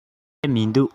སླེབས མི འདུག